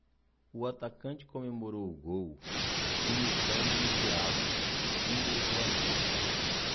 o atacante comemorou o gol imitando um diabo símbolo do américa